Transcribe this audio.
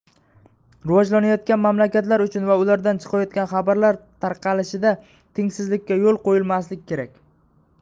rivojlanayotgan mamlakatlar uchun va ulardan chiqayotgan xabarlar tarqatilishida tengsizlikka yo'l qo'yilmasligi kerak